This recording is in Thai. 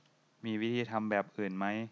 มีวิธีทำแบบอื่นไหม